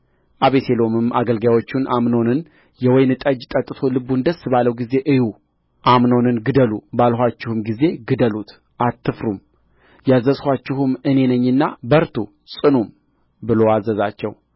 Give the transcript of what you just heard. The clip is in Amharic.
አቤሴሎምም አገልጋዮቹን አምኖን የወይን ጠጅ ጠጥቶ ልቡን ደስ ባለው ጊዜ እዩ አምኖንን ግደሉ ባልኋችሁም ጊዜ ግደሉት አትፍሩም ያዘዝኋችሁም እኔ ነኝና በርቱ ጽኑም ብሎ አዘዛቸው